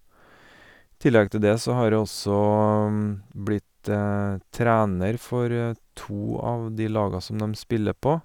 I tillegg til det så har jeg også blitt trener for to av de laga som dem spiller på.